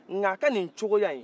nka a ka ni cogoya in